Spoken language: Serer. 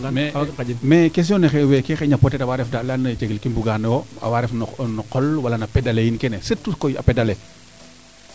mais question ne xayna peut etre awa ref daand la ando naye cegel ke mbugano yo awaa ref no qol wala no pedale yiin keene surtout koy a pedale